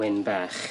Wyn bach.